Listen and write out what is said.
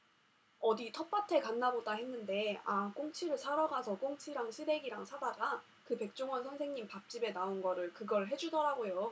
어디 텃밭에 갔나보다 했는데 아 꽁치를 사러 가서 꽁치랑 시래기랑 사다가 그 백종원 선생님 밥집에 나온 거를 그걸 해주더라고요